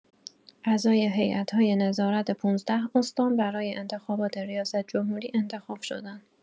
اعضای هیات‌های نظارت ۱۵ استان برای انتخابات ریاست‌جمهوری انتخاب شدند.